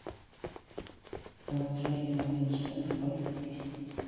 элджей и моргенштерн поют песню